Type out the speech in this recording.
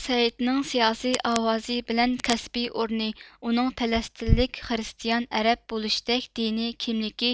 سەئىدنىڭ سىياسىي ئاۋازى بىلەن كەسپىي ئورنى ئۇنىڭ پەلەسىتىنلىك خرىستىيان ئەرەب بولۇشتەك دىنىي كىملىكى